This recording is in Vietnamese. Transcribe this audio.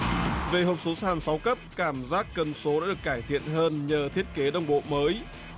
về hộp số sàn sáu cấp cảm giác cần số được cải thiện hơn nhờ thiết kế đồng bộ mới